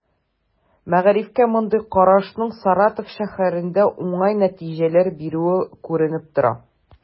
Мәгарифкә мондый карашның Саратов шәһәрендә уңай нәтиҗәләр бирүе күренеп тора.